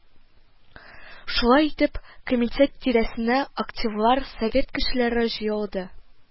Шулай итеп, комитет тирәсенә активлар, совет кешеләре җыелды